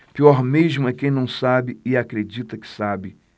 pior mesmo é quem não sabe e acredita que sabe